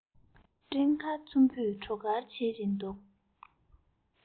སྤྲིན དཀར ཚོམ བུས བྲོ གར བྱེད ཅིང འདུག